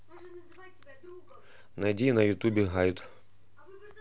найди на ютубе гайд